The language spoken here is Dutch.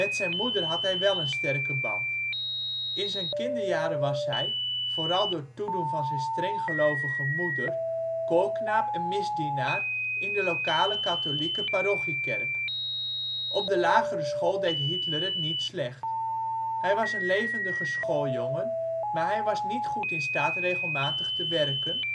moeder had hij wel een sterke band. In zijn kinderjaren was hij, vooral door toedoen van zijn strenggelovige moeder, koorknaap en misdienaar in de lokale katholieke parochiekerk. Op de lagere school deed Hitler het niet slecht. Hij was een levendige schooljongen maar hij was niet goed in staat regelmatig te werken